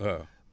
waaw